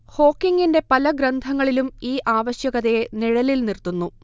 ഹോക്കിങ്ങിന്റെ പല ഗ്രന്ഥങ്ങളിലും ഈ ആവശ്യകതയെ നിഴലിൽ നിർത്തുന്നു